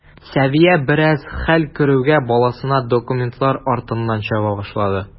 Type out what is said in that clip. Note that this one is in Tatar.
Сәвия, бераз хәл керүгә, баласына документлар артыннан чаба башлады.